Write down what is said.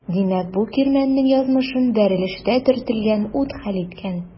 Димәк бу кирмәннең язмышын бәрелештә төртелгән ут хәл иткән.